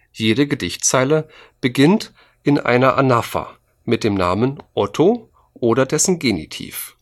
Jede Gedichtzeile beginnt in einer Anapher mit dem Namen „ otto “oder dessen Genitiv